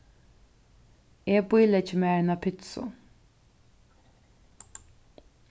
eg bíleggi mær eina pitsu